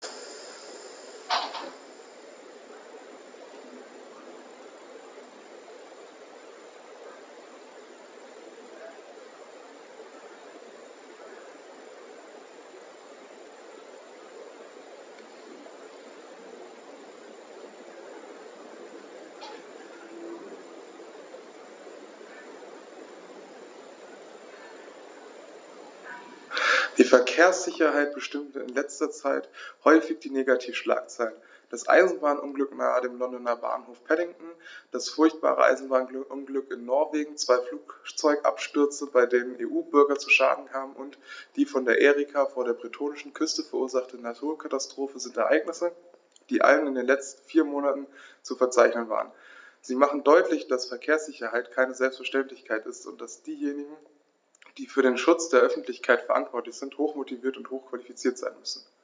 Die Verkehrssicherheit bestimmte in letzter Zeit häufig die Negativschlagzeilen: Das Eisenbahnunglück nahe dem Londoner Bahnhof Paddington, das furchtbare Eisenbahnunglück in Norwegen, zwei Flugzeugabstürze, bei denen EU-Bürger zu Schaden kamen, und die von der Erika vor der bretonischen Küste verursachte Naturkatastrophe sind Ereignisse, die allein in den letzten vier Monaten zu verzeichnen waren. Sie machen deutlich, dass Verkehrssicherheit keine Selbstverständlichkeit ist und dass diejenigen, die für den Schutz der Öffentlichkeit verantwortlich sind, hochmotiviert und hochqualifiziert sein müssen.